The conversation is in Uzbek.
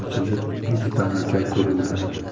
ochilib yigitali aka ko'rindi